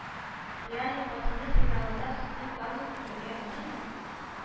Реальные пацаны сериалында сезне тагын күрергә мөмкинме